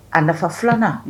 A nafa filanan